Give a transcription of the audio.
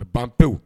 Bantewu